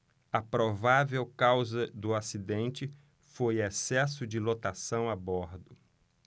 a provável causa do acidente foi excesso de lotação a bordo